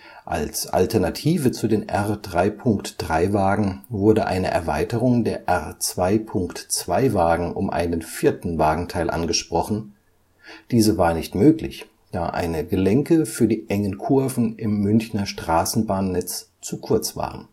Als Alternative zu den R 3.3-Wagen wurde eine Erweiterung der R-2.2-Wagen um einen vierten Wagenteil angesprochen, diese war nicht möglich, da die Gelenke für die engen Kurven im Münchner Straßenbahnnetz zu kurz waren